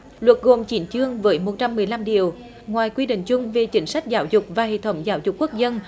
luật gồm chín chương với một trăm mười lăm điều ngoài quy định chung về chính sách giáo dục và hệ thống giáo dục quốc dân